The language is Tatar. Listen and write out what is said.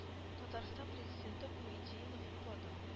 Татарстан президенты бу идеяне хуплады